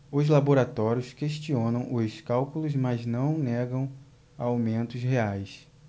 os laboratórios questionam os cálculos mas não negam aumentos reais